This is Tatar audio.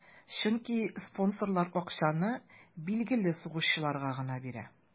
Чөнки спонсорлар акчаны билгеле сугышчыларга гына бирә.